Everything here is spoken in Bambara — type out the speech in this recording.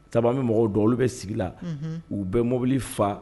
Sabu an bɛ mɔgɔw don olu bɛ sigi la, u bɛ mobili fa.